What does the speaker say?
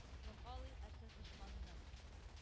Ломга алыйк әрсез «дошман »ны.